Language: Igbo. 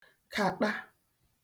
-kàṭa